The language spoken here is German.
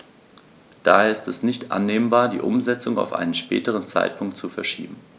Daher ist es nicht annehmbar, die Umsetzung auf einen späteren Zeitpunkt zu verschieben.